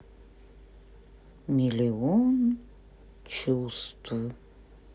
миллион чувств